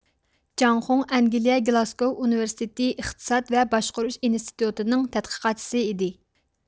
جاڭ خۇڭ ئەنگلىيە گىلاسگوۋ ئۇنىۋېرسىتېتى ئىقتىساد ۋە باشقۇرۇش ئىنستىتۇتىنىڭ تەتقىقاتچىسى ئىدى